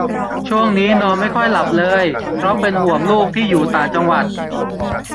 ช่วงนี้นอนไม่ค่อยหลับเลยเพราะเป็นห่วงลูกที่อยู่ต่างจังหวัด